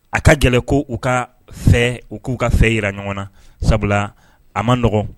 A ka gɛlɛ ko u ka fɛ u k'u ka fɛ jira ɲɔgɔn na sabula a man nɔgɔn